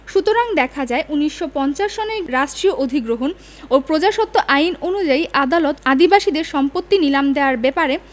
সুতরাং দেখা যায় ১৯৫০ সনের রাষ্ট্রীয় অধিগ্রহণ ও প্রজাস্বত্ব আইন অনুযায়ী আদালত আদিবাসীদের সম্পত্তি নীলাম দেয়ার ব্যাপারে